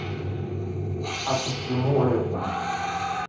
а почему это